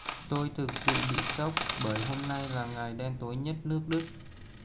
tôi thực sự bị sốc bởi hôm nay là ngày đen tối nhất nước đức